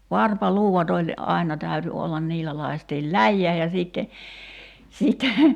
varpaluudat oli aina täytyi olla niillä lakaistiin läjään ja sitten sitten